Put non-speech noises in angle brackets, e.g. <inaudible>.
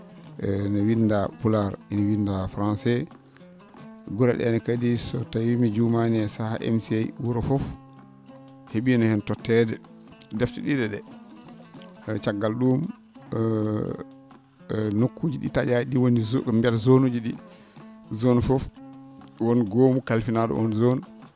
ene winndaa Pulaar ene winndaa Français gure ?ee ne kadi so tawii mi jumaani e sahaa MC wuro fof he?iino heen totteede defte ?i?i ?ee hade caggal ?um <hesitation> nokkuuji ?i taa?aa?i ?ii woni <hesitation> ndeer zone uji ?i zone fof won goomu kalfinaa?o oon zone